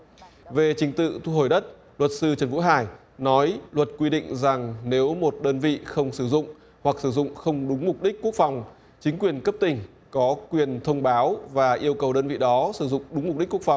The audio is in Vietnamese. về trình tự thu hồi đất luật sư trần quốc hải nói luật quy định rằng nếu một đơn vị không sử dụng hoặc sử dụng không đúng mục đích quốc phòng chính quyền cấp tỉnh có quyền thông báo và yêu cầu đơn vị đó sử dụng đúng mục đích quốc phòng